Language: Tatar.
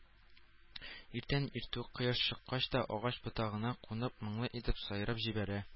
Иртән-иртүк, кояш чыккач та, агач ботагына кунып моңлы итеп сайрап җибәрә